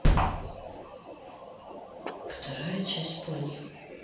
вторая часть пони